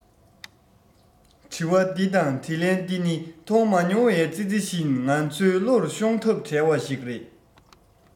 དྲི བ འདི དང དྲིས ལན འདི ནི མཐོང མ མྱོང བའི ཙི ཙི བཞིན ང ཚོའི བློར ཤོང ཐབས བྲལ བ ཞིག རེད